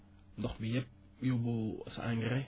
ndox mi yépp yóbbu sa en